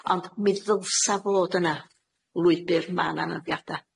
Ond mi ddylsa fod yna lwybyr man anafiada.